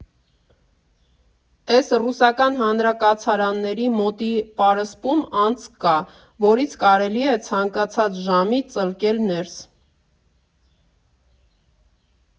Էն ռուսական հանրակացարանների մոտի պարիսպում անցք կա, որից կարելի է ցանկացած ժամի ծլկել ներս։